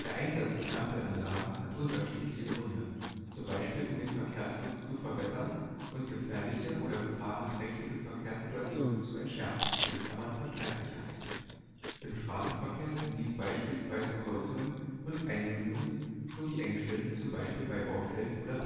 Einsatz von Ampelanlagen hat unterschiedliche Gründe, z. B. um den Verkehrsfluss zu verbessern und gefährliche oder gefahrenträchtige Verkehrssituationen zu entschärfen (Verkehrssicherheit). Im Straßenverkehr sind dies beispielsweise Kreuzungen und Einmündungen sowie Engstellen, zum Beispiel bei Baustellen oder